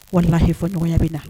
Wala h fɔ ɲɔgɔnya bɛ na